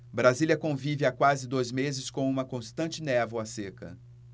brasília convive há quase dois meses com uma constante névoa seca